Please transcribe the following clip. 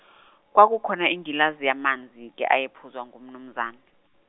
kwakukhona ingilazi yamanzi ke ayephuzwa nguMnumzan-.